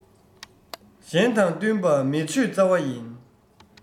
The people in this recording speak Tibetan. གཞན དང བསྟུན པ མི ཆོས རྩ བ ཡིན